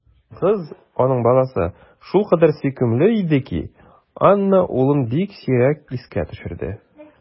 Кыз, аның баласы, шулкадәр сөйкемле иде ки, Анна улын бик сирәк искә төшерде.